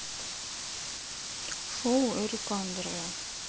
шоу эрика андре